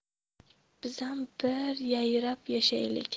bizam bi ir yayrab yashaylik